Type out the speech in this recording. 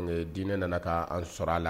Diinɛ nana ka an sɔrɔ a la